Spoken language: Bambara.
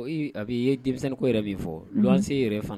A b'i ye denmisɛnko yɛrɛ b'i fɔ se yɛrɛ fana